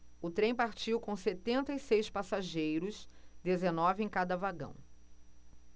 o trem partiu com setenta e seis passageiros dezenove em cada vagão